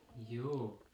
joo